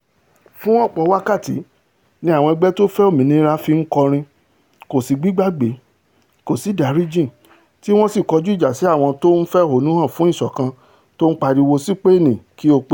Fún ọ̀pọ̀ wákàtí ni àwọn ẹgbẹ́ tófẹ́ òmìnira fi ńkọrin ''Kòsí gbígbàgbé, kòsí ìdáríjìn'' tíwọ́n sì kọjú ìjà sí àwọn tó ń fẹ̀hónúhàn fún ìsọkan tó ń pariwo, ''Sípèènì kí ó pẹ́.''